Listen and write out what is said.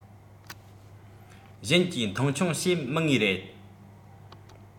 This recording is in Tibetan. གཞན གྱིས མཐོང ཆུང བྱེད མི ངེས རེད